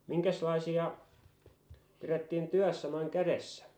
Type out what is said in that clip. minkäslaisia pidettiin työssä noin kädessä